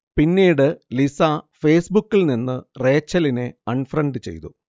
പിന്നീട് ലിസ ഫേസ്ബുക്കിൽനിന്ന് റേച്ചലിനെ അൺഫ്രണ്ട് ചെയ്തു